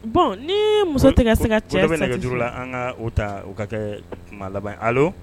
Bɔn ni muso tɛ se ka cɛ bɛ nɛgɛ juru la an ka u ta u ka kɛ laban a